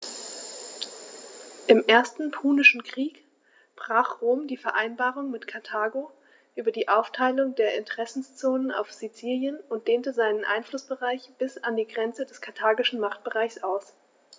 Im Ersten Punischen Krieg brach Rom die Vereinbarung mit Karthago über die Aufteilung der Interessenzonen auf Sizilien und dehnte seinen Einflussbereich bis an die Grenze des karthagischen Machtbereichs aus.